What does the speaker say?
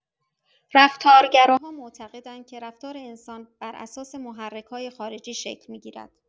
رفتارگراها معتقدند که رفتار انسان بر اساس محرک‌های خارجی شکل می‌گیرد.